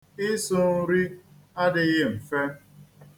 Ịsụ nri adịghị mfe.